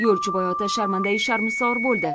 yo'lchiboy ota sharmandayi sharmisor bo'ldi